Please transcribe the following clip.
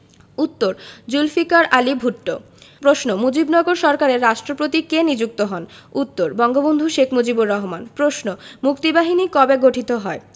উত্তরঃ জুলফিকার আলী ভুট্ট প্রশ্ন মুজিবনগর সরকারের রাষ্ট্রপতি কে নিযুক্ত হন উত্তর বঙ্গবন্ধু শেখ মুজিবুর রহমান প্রশ্ন মুক্তিবাহিনী কবে গঠিত হয়